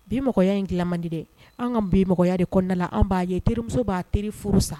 Bi mɔgɔya in dilan mandi dɛ an ka bi nɔgɔyaya de kɔnɔnada an b'a ye terimuso' teriri furu san